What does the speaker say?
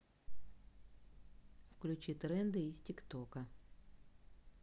включи тренды из тик тока